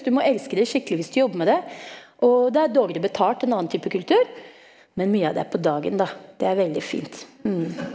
du må elske det skikkelig hvis du vil å jobbe med det, og det er dårligere betalt en annen type kultur, men mye av det er på dagen da, det er veldig fint .